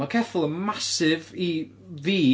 Ma' ceffyl yn massive i fi!